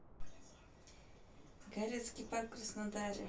галицкий парк в краснодаре